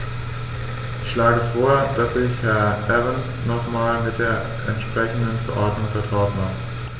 Ich schlage vor, dass sich Herr Evans nochmals mit der entsprechenden Verordnung vertraut macht.